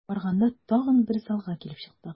Барганда тагын бер залга килеп чыктык.